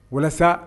Walasa